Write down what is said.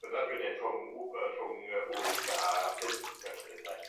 Dyna dwi'n neud rhwng w- yy rhwng yy wyth a pump felly ynde.